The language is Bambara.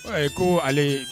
Ko ale